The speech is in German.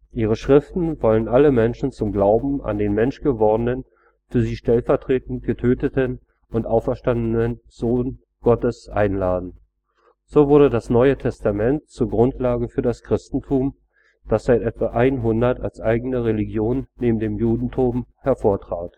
Ihre Schriften wollen alle Menschen zum Glauben an den menschgewordenen, für sie stellvertretend getöteten und auferstandenen Gottessohn einladen. So wurde das NT zur Grundlage für das Christentum, das seit etwa 100 als eigene Religion neben dem Judentum hervortrat